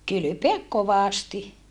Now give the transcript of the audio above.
kylpeä kovasti